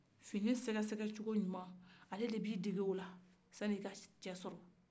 fini sɛgɛsɛgɛ cogo ɲuman ale de bɛ i dege o la yani i ka cɛ sɔrɔ